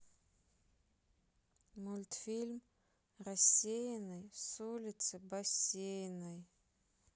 мультфильм рассеянный с улицы бассейной